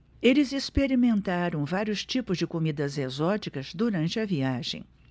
eles experimentaram vários tipos de comidas exóticas durante a viagem